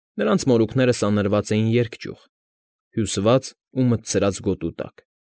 Նրանց մորուքները սանրված էին երկճյուղ, հյուսված ու մտցրած գոտու տակ։